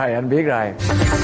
rồi anh biết rồi